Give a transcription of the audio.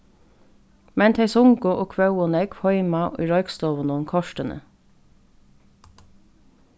men tey sungu og kvóðu nógv heima í roykstovunum kortini